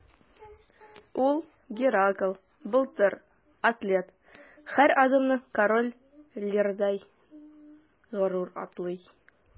Ул – Геракл, Былтыр, атлет – һәр адымын Король Лирдай горур атлый.